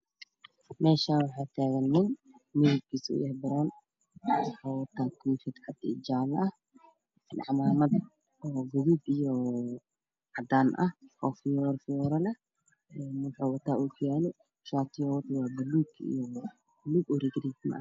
Meeshaan waxaa taagan nin midabkiisu yahay baroon wuxu wata koofiyad cad iyo jaale ah iyo cimaamad oo gaduud iyo cadaan ah oo fiyoore fiyoore leh een wuxuu wataa okiyalo shaatiga uu wato waa buluug iyo